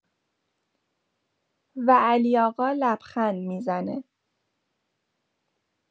و علی‌آقا لبخند می‌زنه.